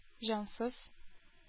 Җансыз